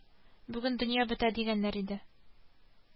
Бүген дөнья бетә дигәннәр иде